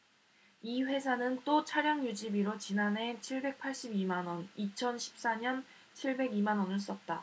이 회사는 또 차량유지비로 지난해 칠백 팔십 이 만원 이천 십 사 년 칠백 이 만원을 썼다